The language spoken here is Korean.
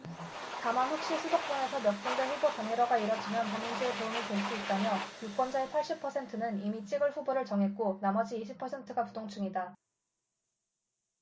다만 혹시 수도권에서 몇 군데 후보 단일화가 이뤄지면 더민주에 도움이 될 수 있다며 유권자의 팔십 퍼센트는 이미 찍을 후보를 정했고 나머지 이십 퍼센트가 부동층이다